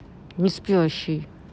неспящий